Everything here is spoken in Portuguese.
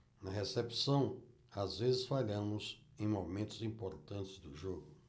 na recepção às vezes falhamos em momentos importantes do jogo